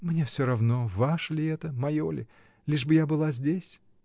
— Мне всё равно, ваше ли это, мое ли, лишь бы я была здесь.